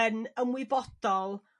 yn ymwybodol